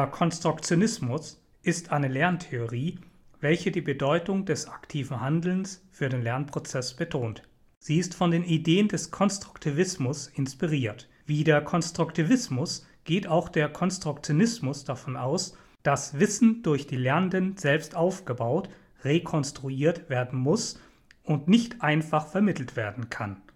Konstruktionismus ist eine Lerntheorie, welche die Bedeutung des aktiven Handelns für den Lernprozess betont. Sie ist von den Ideen des Konstruktivismus inspiriert. Wie der Konstruktivismus geht auch der Konstruktionismus davon aus, dass Wissen durch die Lernenden selbst aufgebaut (re-konstruiert) werden muss und nicht einfach vermittelt werden kann